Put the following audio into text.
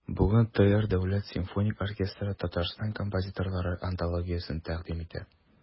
Бүген ТР Дәүләт симфоник оркестры Татарстан композиторлары антологиясен тәкъдим итә.